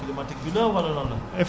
yon lan nga mën a expliqué loolu